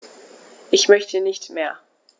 Ich möchte nicht mehr.